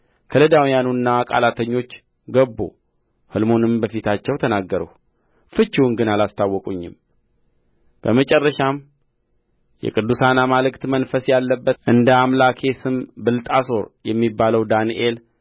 ከለዳውያኑና ቃላተኞቹ ገቡ ሕልሙንም በፊታቸው ተናገርሁ ፍቺውን ግን አላስታወቁኝም በመጨረሻም የቅዱሳን አማልክት መንፈስ ያለበት እንደ አምላኬ ስም ብልጣሶር የሚባለው ዳንኤል